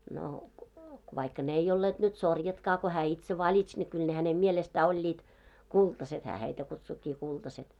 no vaikka ne ei olleet nyt sorjatkaan kun hän itse valitsi ne kyllä hänen mielestä olivat kultaiset hän heitä kutsuikin kultaset